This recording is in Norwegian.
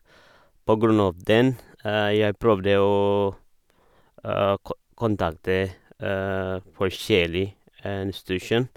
På grunn av den, jeg prøvde å å ko kontakte forskjellig institusjon.